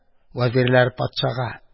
Вәзирләр патшага: